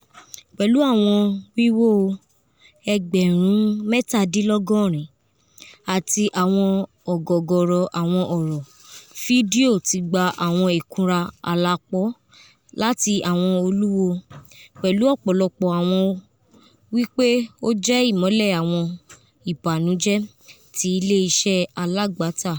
Pẹlu awọn wiwo 77,000 ati awọn ọgọgọrọ awọn ọrọ, fidio ti gba awọn ikunra alapọ lati awọn oluwo, pẹlu ọpọlọpọ awọn wi pe o jẹ imọlẹ awọn "ibanujẹ" ti ile-iṣẹ alagbata.